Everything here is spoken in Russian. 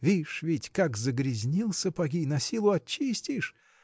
Вишь ведь, как загрязнил сапоги, насилу отчистишь.